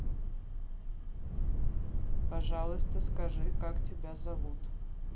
пожалуйста скажи как тебя зовут